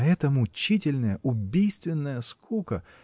это мучительная, убийственная скука!